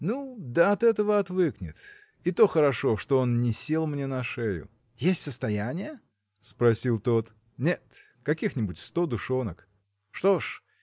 ну, да от этого отвыкнет; и то хорошо, что он не сел мне на шею. – Есть состояние? – спросил тот. – Нет; каких-нибудь сто душонок. – Что ж!